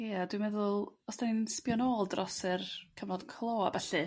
Ie dw i meddwl os 'dan ni'n sbïo nôl dros yr cyfnod clo a byllu